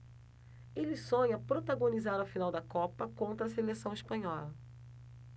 ele sonha protagonizar a final da copa contra a seleção espanhola